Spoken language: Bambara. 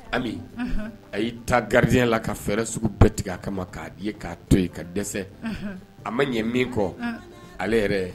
Ami unhun a y'i ta gardien la ka fɛɛrɛ sugu bɛɛ tigɛ a kama k'a ye k'a to ye ka dɛsɛ unhun a ma ɲɛ min kɔ un ale yɛrɛ